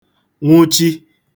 nwụchị